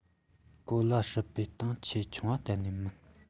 གོ ལ ཧྲིལ པོའི སྟེང ཆེས ཆུང བ གཏན ནས མིན